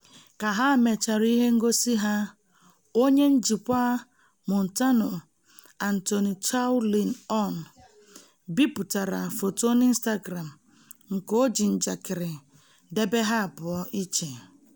Ka ha mechara ihe ngosi ha, onye njikwa Montano, Anthony Chow Lin On, bipụtara foto n'Instagram nke o ji njakịrị debe ha abụọ iche: